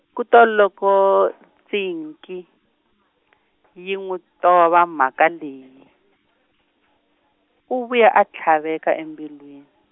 kute loko , Tsinkie , yi n'wi tova mhaka leyi, u vuye a tlhaveka embilwini.